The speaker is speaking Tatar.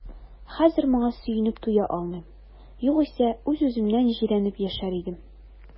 Хәзер моңа сөенеп туя алмыйм, югыйсә үз-үземнән җирәнеп яшәр идем.